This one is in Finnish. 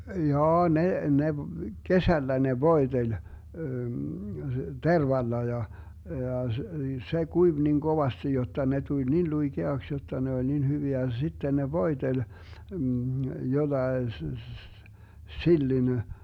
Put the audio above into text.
jaa ne ne kesällä ne voiteli tervalla ja ja - se kuivui niin kovasti jotta ne tuli niin luikeaksi jotta ne oli niin hyviä ja sitten ne voiteli jollakin - sillin